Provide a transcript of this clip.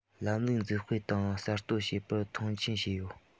ལམ ལུགས འཛུགས སྤེལ དང གསར གཏོད བྱེད པར མཐོང ཆེན བྱས ཡོད